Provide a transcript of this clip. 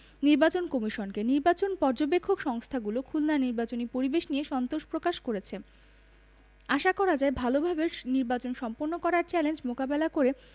নির্বাচন কমিশনকে নির্বাচন পর্যবেক্ষক সংস্থাগুলো খুলনার নির্বাচনী পরিবেশ নিয়ে সন্তোষ প্রকাশ করেছে আশা করা যায় ভালোভাবে নির্বাচন সম্পন্ন করার চ্যালেঞ্জ মোকাবেলা করে